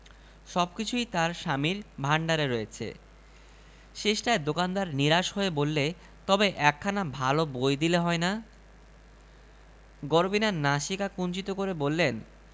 Soviet রাজ্যের বিরুদ্ধে একখানা প্রাণঘাতী কেতাব ছাড়েন প্যারিসের স্তালিনীয়রা তখন লাগল জিদের পেছনে